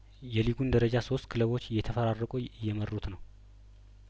የሊጉን ደረጃ ሶስት ክለቦች እየተፈራረቁ እየመሩት ነው